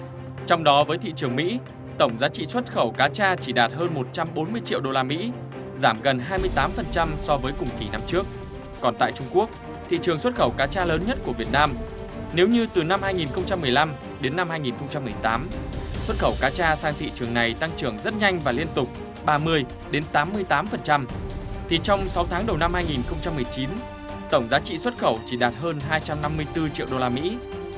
trong đó với thị trường mỹ tổng giá trị xuất khẩu cá tra chỉ đạt hơn một trăm bốn mươi triệu đô la mỹ giảm gần hai mươi tám phần trăm so với cùng kỳ năm trước còn tại trung quốc thị trường xuất khẩu cá tra lớn nhất của việt nam nếu như từ năm hai nghìn không trăm mười lăm đến năm hai nghìn không trăm mười tám xuất khẩu cá tra sang thị trường này tăng trưởng rất nhanh và liên tục ba mươi đến tám mươi tám phần trăm thì trong sáu tháng đầu năm hai nghìn không trăm mười chín tổng giá trị xuất khẩu chỉ đạt hơn hai trăm năm mươi tư triệu đô la mỹ